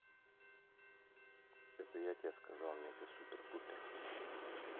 это я тебе сказал мега супер пупер